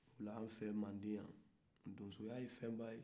ola aw fɛ manden yan dɔnsoya ye fɛ ba ye